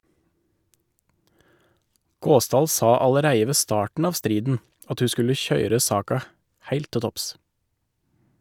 Gåsdal sa allereie ved starten av striden at ho skulle køyre saka heilt til topps.